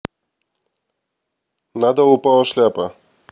надо упала шляпа